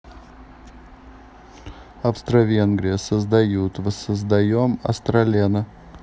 австровенгрия создают воссоздаем астралена